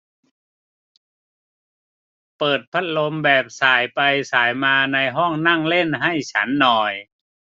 เปิดพัดลมแบบส่ายไปส่ายมาในห้องนั่งเล่นให้ฉันหน่อย